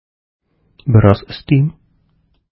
Бераз өстим.